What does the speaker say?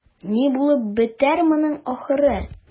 Ни булып бетәр моның ахыры?